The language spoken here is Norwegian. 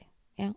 Ja.